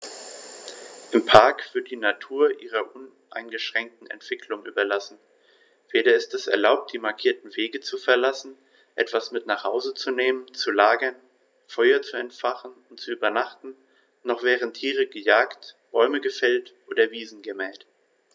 Im Park wird die Natur ihrer uneingeschränkten Entwicklung überlassen; weder ist es erlaubt, die markierten Wege zu verlassen, etwas mit nach Hause zu nehmen, zu lagern, Feuer zu entfachen und zu übernachten, noch werden Tiere gejagt, Bäume gefällt oder Wiesen gemäht.